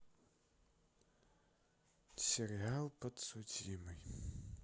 сериал подсудимый